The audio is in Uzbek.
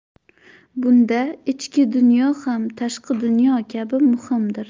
bunda ichki dunyo ham tashqi dunyo kabi muhimdir